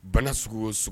Bana sugu o sogo